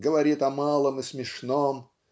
говорит о малом и смешном